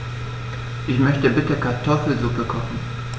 Ich möchte bitte Kartoffelsuppe kochen.